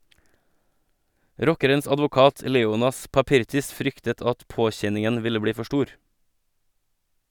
Rockerens advokat, Leonas Papirtis, fryktet at påkjenningen ville bli for stor.